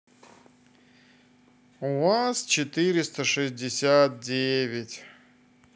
уаз четыреста шестьдесят девять